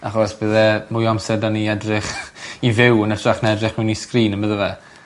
Achos bydde mwy o amser 'da ni edrych i fyw yn ytrach na edrych mewn i sgrin on' bydde fe?